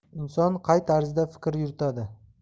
inson qay tarzda fikr yuritadi